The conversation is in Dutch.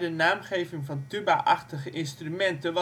naamgeving van tuba-achtige instrumenten